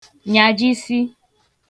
nyàjisi